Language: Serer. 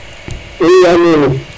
oui alo